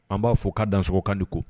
An b'a fɔ ka dankan di